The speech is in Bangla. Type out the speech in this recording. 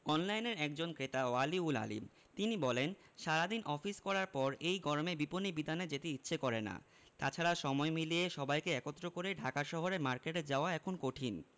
অনলাইনের একজন ক্রেতা ওয়ালি উল আলীম তিনি বলেন সারা দিন অফিস করার পর এই গরমে বিপণিবিতানে যেতে ইচ্ছে করে না তা ছাড়া সময় মিলিয়ে সবাইকে একত্র করে ঢাকা শহরের মার্কেটে যাওয়া এখন কঠিন